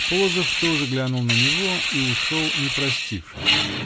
Полозов тоже глянул на него и ушел не простившись.